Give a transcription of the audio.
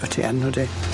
Wyt ti yn wdi.